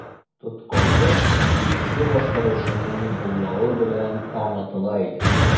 Тоткарлык тиешле башкаручының булмавы белән аңлатыла иде.